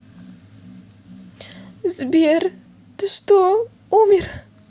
сбер ты что умерь